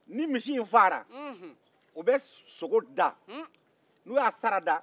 nin misi in faara u bɛ sogo da n'u ya sara da